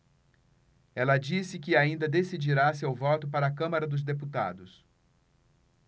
ela disse que ainda decidirá seu voto para a câmara dos deputados